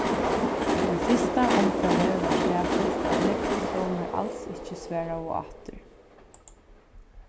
í fyrsta umfari var staðfest at nógvir stovnar als ikki svaraðu aftur